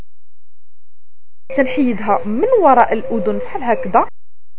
من وراء الاذن